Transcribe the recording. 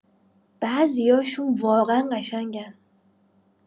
بعضیاشون واقعا قشنگن.